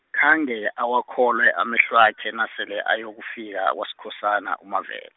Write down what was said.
khange awakholwe amehlwakhe nasele ayokufika kwaSkhosana uMavel-.